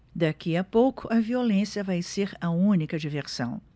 daqui a pouco a violência vai ser a única diversão